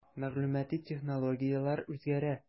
Мәгълүмати технологияләр үзгәрә.